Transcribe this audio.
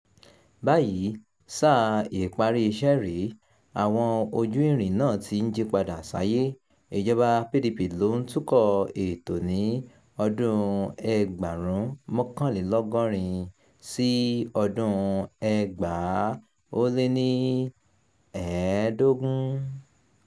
Báyìí, Sáà Ìparí iṣẹ́' rè é, àwọn ojú irin náà ti ń jí padà sáyé.” Ìjọba PDP ló ń tukọ̀ ètò ní 1999 sí 2015.